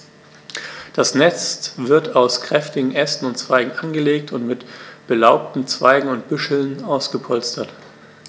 Das Nest wird aus kräftigen Ästen und Zweigen angelegt und mit belaubten Zweigen und Büscheln ausgepolstert.